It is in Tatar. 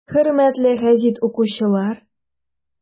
Хөрмәтле гәзит укучылар!